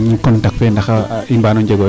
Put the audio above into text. contact fee ndax i mbaagan o njegooyo.